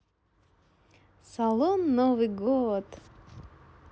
салон новый год